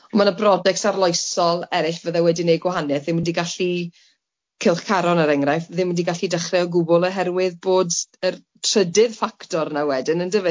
Ma' yna brojecs arloesol erill fydde wedi neud gwahanieth ddim 'di gallu, Cylch Caron, er enghraifft, ddim 'di gallu dechre o gwbwl oherwydd bod yr trydydd ffactor 'na wedyn, yndyfe?